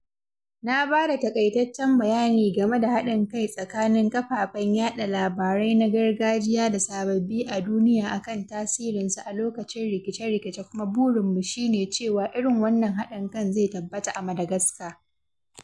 Na ba da taƙaitaccen bayani game da haɗin kai tsakanin kafafen yaɗa labarai na gargajiya da sababbi a duniya akan tasirinsu a lokacin rikice-rikice kuma burinmu shine cewa irin wannan haɗin kan zai tabbata a Madagascar.